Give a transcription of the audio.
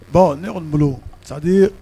Bon ne kɔni bolo sadi